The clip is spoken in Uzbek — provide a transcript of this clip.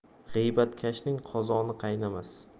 g'iybatkashning qozoni qaynamas